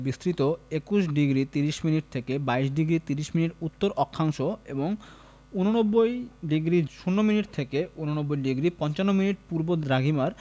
বিস্তৃত ২১ডিগ্রি ৩০মিনিট থেকে ২২ডিগ্রি ৩০মিনিট উত্তর অক্ষাংশ এবং ৮৯ডিগ্রি ০০মিনিট থেকে ৮৯ ডিগ্রি ৫৫মিনিট পূর্ব দ্রাঘিমার